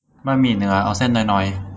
บะหมี่เนื้อเอาเส้นน้อยๆ